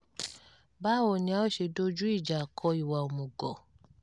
Báwo ni a ó ṣe dojú ìjà kọ ìwà òmùgọ̀?